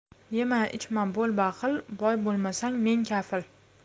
yema ichma bo'l baxil boy bo'lmasang men kafil